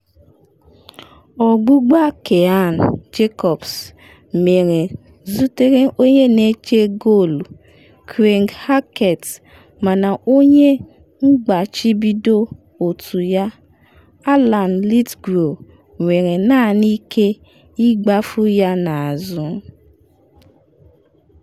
Ọgbụgba Keaghan Jacobs mere zutere onye na-eche goolu Craig Halkett mana onye mgbachibido otu ya Alan Lithgow nwere naanị ike ịgbafu ya n’azụ.